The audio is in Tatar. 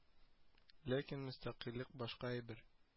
Ләкин мөстәкыйльлек башка әйбер